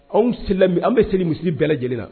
Anw an bɛ seli misiri bɛɛ lajɛlen na